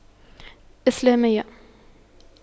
إسلامية